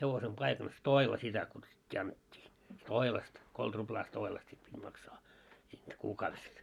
hevosen paikan stoila sitä kutsuttiin annettiin stoilasta kolme ruplaa stoilasta sitten piti maksaa siitä kuukaudesta